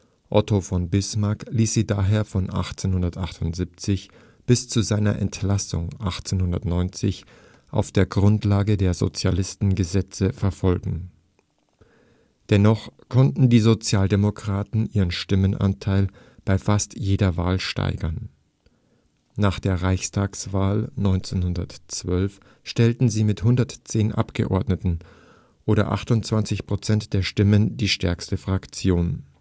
Otto von Bismarck ließ sie daher von 1878 bis zu seiner Entlassung 1890 auf der Grundlage der Sozialistengesetze verfolgen. Dennoch konnten die Sozialdemokraten ihren Stimmenanteil bei fast jeder Wahl steigern. Nach der Reichstagswahl 1912 stellten sie mit 110 Abgeordneten oder 28 Prozent der Stimmen die stärkste Fraktion